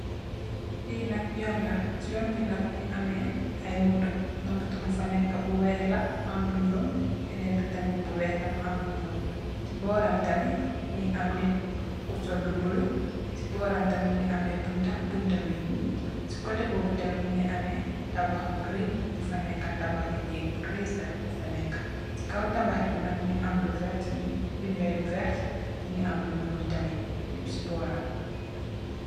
Lii nak yon la, cii yon bii nak mungy ameh aiiy motor, amna motor bufa neka bu wekh la am lu njull, benen bii tam bu wekh la mu am lu njull, cii bohram tami mungy am nit ku sol lu bleu, cii bohram tami mungy ameh bunta, bunta weungh, cii coteh bobu tamit mungy ameh tabakh bu reiyy bufa neka, tabakhi negg bu reiyy sa bufa neka, cii kaw tabakh bii nak mungy am lu vert, binda yu vert, mungy am lu njull tamit, lehpp cii bohram.